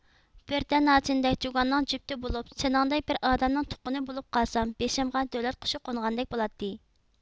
بۆرتە ناچىندەك جۇگاننىڭ جۈپتى بولۇپ سېنىڭدەك بىر ئادەمنىڭ تۇققىنى بولۇپ قالسام بېشىمغا دۆلەت قۇشى قونغاندەك بولاتتى